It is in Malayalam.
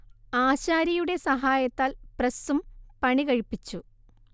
ആശാരിയുടെ സഹായത്താൽ പ്രസ്സും പണികഴിപ്പിച്ചു